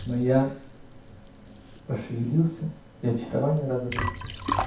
но я пошевелился -- и очарование разрушилось